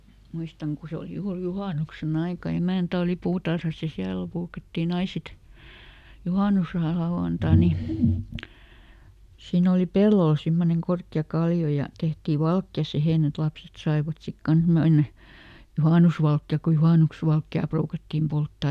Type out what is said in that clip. muistan kun se oli juuri juhannuksen aika emäntä oli puutarhassa ja siellä ruukattiin aina sitten juhannuslauantai niin siinä oli pellolla semmoinen korkea kallio ja tehtiin valkea siihen että lapset saivat sitten kanssa mennä juhannusvalkea kun - juhannusvalkea ruukattiin polttaa